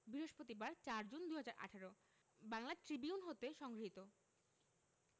বৃহস্পতিবার ০৪ June ২০১৮ Bangla Tribune হতে সংগৃহীত